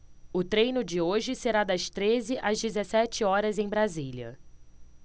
o treino de hoje será das treze às dezessete horas em brasília